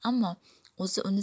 ammo o'zi uni